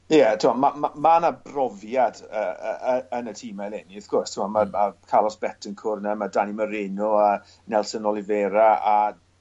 Ie t'o' ma' ma' ma' 'na brofiad yy y- y- yn y tîm eleni wrth gwrs t'wo' ma' ma' Carlos Betancur 'na ma' Danny Moreno a Nelson Oliveira a